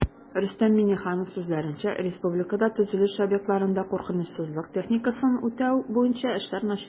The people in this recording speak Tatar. Рөстәм Миңнеханов сүзләренчә, республикада төзелеш объектларында куркынычсызлык техникасын үтәү буенча эшләр начар